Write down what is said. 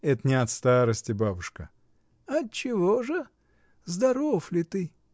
— Это не от старости, бабушка! — Отчего же? Здоров ли ты?